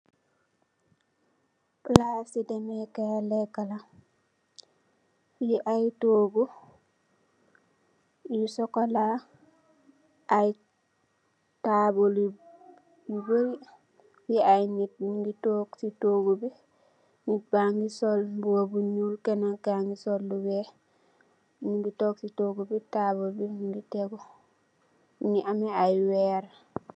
Plase deme kay leka la le aye toogu yu sukola aye taable yu bary le aye neet nuge tonke se toogu be neet bage sol muba bu nuul kenen kage sol lu weex nuge tonke se toogu be taable be muge tegu muge am aye werr.